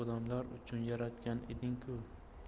uchun yaratgan eding ku